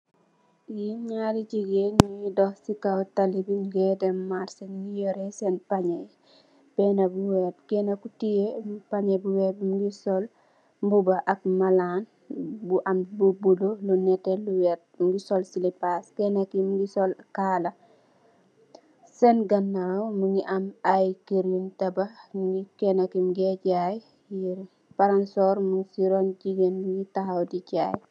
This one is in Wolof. Lii njaari gigain njungy dokh cii kaw tali bii njungeh dem marche, njungy yohreh sehn paanjeh yii benah bu wekh, kenah ku tiyeh paanjeh bu wekh bii mungy sol mbuba ak malan bu am bu bleu, lu nehteh, lu wehrt, mungy sol slippers, kenah kii mungui sol kaarlah, sehn ganaw mungy am aiiy kerr yungh tabakh, njungy , kenah kii mungeh jaii aiiy yehreh, palansorr mung cii ron gigain mungy takhaw dii jaii.